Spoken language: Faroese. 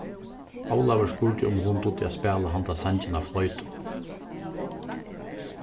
ólavur spurdi um hon dugdi at spæla handan sangin á floytu